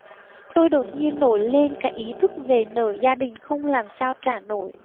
tôi đột nhiên nổi lên cái ý thức về nợ gia đình không làm sao trả nổi